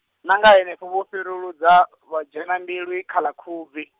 na nga henefho vho fhiruludzwa, vha dzhena Mbilwi, kha ḽa Khubvi.